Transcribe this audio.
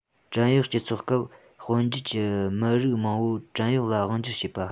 བྲན གཡོག སྤྱི ཚོགས སྐབས དཔོན རྒྱུད ཀྱི མི རབས མང པོས བྲན གཡོག ལ དབང སྒྱུར བྱས པ